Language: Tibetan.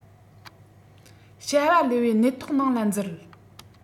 བྱ བ ལས པའི གནད ཐོག ནང ལ འཛུལ